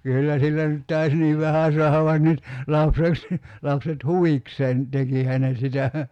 kyllä sillä nyt taisi niin vähän saada vain nyt lapset lapset huvikseen tekihän ne sitä